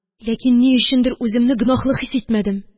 Ләкин ни өчендер үземне гөнаһлы хис итмәдем